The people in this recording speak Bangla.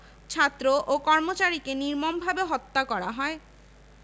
ছাত্র ও কর্মচারীকে নির্মমভাবে হত্যা করা হয়